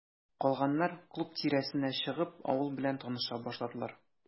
Калганнар, клуб тирәсенә чыгып, авыл белән таныша башладылар.